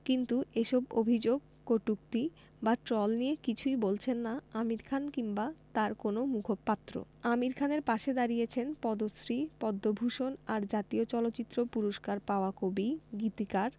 কিন্তু এসব অভিযোগ কটূক্তি আর ট্রল নিয়ে কিছুই বলছেন না আমির খান কিংবা তাঁর কোনো মুখপাত্রআমির খানের পাশে দাঁড়িয়েছেন পদ্মশ্রী পদ্মভূষণ আর জাতীয় চলচ্চিত্র পুরস্কার পাওয়া কবি গীতিকার